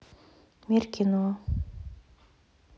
мир кино